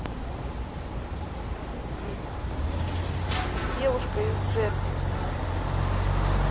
девушка из джерси